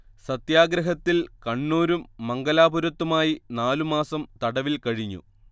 സത്യാഗ്രഹത്തിൽ കണ്ണൂരും മംഗലാപുരത്തുമായി നാലു മാസം തടവിൽ കഴിഞ്ഞു